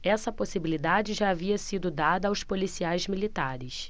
essa possibilidade já havia sido dada aos policiais militares